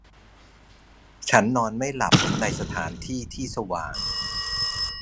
ฉันนอนไม่หลับในสถานที่ที่สว่าง